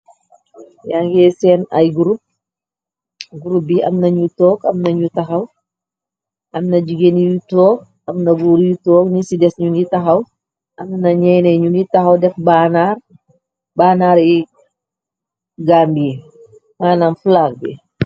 yangee seen ay gurup bi am nañu toog am nañu taxaw am na jigén yu toog am na guur yu toog ni ci des ñu ni taxaw am na ñeene ñu ni taxaw def bannaari gamb yi maanam flag bi